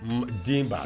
Denba